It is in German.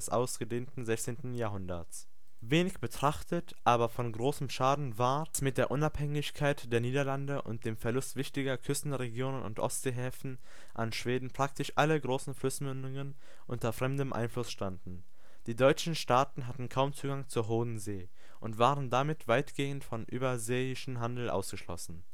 ausgehenden 16. Jahrhunderts. Wenig beachtet, aber von großem Schaden war, dass mit der Unabhängigkeit der Niederlande und dem Verlust wichtiger Küstenregionen und Ostseehäfen an Schweden praktisch alle großen Flussmündungen unter fremdem Einfluss standen. Die deutschen Staaten hatten kaum Zugang zur Hohen See und waren damit weitgehend vom überseeischen Handel ausgeschlossen